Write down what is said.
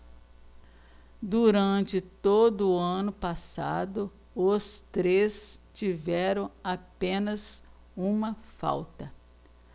durante todo o ano passado os três tiveram apenas uma falta